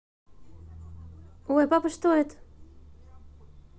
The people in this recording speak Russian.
ой папа это что